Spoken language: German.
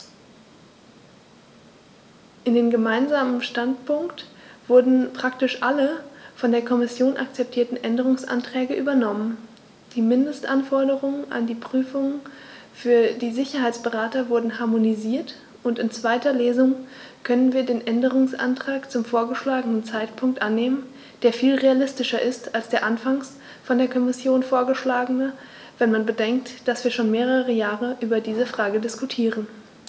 In den gemeinsamen Standpunkt wurden praktisch alle von der Kommission akzeptierten Änderungsanträge übernommen, die Mindestanforderungen an die Prüfungen für die Sicherheitsberater wurden harmonisiert, und in zweiter Lesung können wir den Änderungsantrag zum vorgeschlagenen Zeitpunkt annehmen, der viel realistischer ist als der anfangs von der Kommission vorgeschlagene, wenn man bedenkt, dass wir schon mehrere Jahre über diese Frage diskutieren.